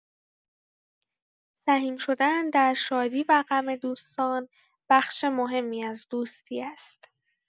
سهیم شدن در شادی و غم دوستان بخش مهمی از دوستی است.